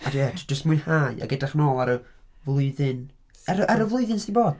Ia jyst mwynhau ac edrych yn ôl ar y flwyddyn, ar ar y flwyddyn sydd wedi bod.